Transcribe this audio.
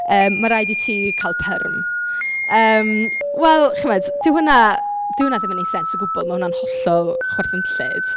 Yym ma' raid i ti cael pyrm yym wel chimod dyw hwnna... dyw hwnna ddim yn ei sens o gwbl mae hwnna'n hollol chwerthinllyd.